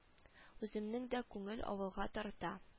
Үземнең дә күңел авылга тарта